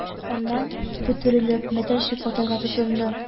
Аннан, бөтерелеп, мәтәлчек атарга тотынды...